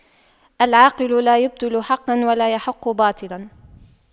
العاقل لا يبطل حقا ولا يحق باطلا